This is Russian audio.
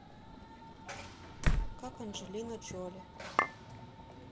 как анджелина джоли